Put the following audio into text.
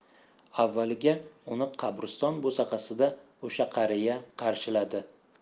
avvaliga uni qabriston bo'sag'asida o'sha qariya qarshiladi